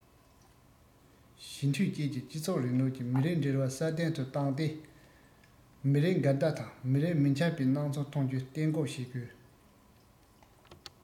ཞི མཐུན བཅས ཀྱི སྤྱི ཚོགས རིང ལུགས ཀྱི མི རིགས འབྲེལ བ སྲ བརྟན དུ བཏང སྟེ མི རིགས འགལ ཟླ དང མི རིགས མི འཆམ པའི སྣང ཚུལ ཐོན རྒྱུ གཏན འགོག བྱེད དགོས